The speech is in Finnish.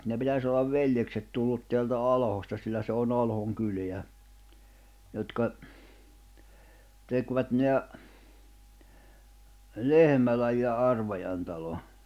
ne pitäisi olla veljekset tullut täältä Alhosta sillä se on Alhon kylää jotka tekivät ne Lehmälän ja Arvajan talon